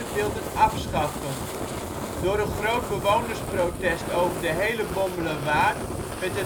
wilden afschaffen. Door een groot bewonersprotest over de hele Bommelerwaard werd